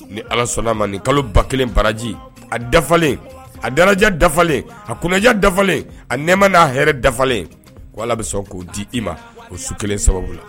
Ni Ala sɔnn'a ma nin kalo 1000 baraji a dafalen a daraja dafalen a kunnadiya dafalen a nɛɛma n'a hɛrɛ dafalen ko Ala be sɔn k'o di i ma o su 1 sababu